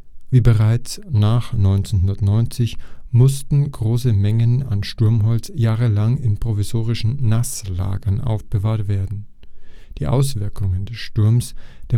Wie bereits nach 1990 mussten große Mengen an Sturmholz jahrelang in provisorischen Nasslagern aufbewahrt werden. Die Auswirkungen des Sturms demonstriert der